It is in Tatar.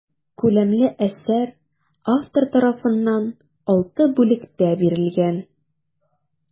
Күләмле әсәр автор тарафыннан алты бүлектә бирелгән.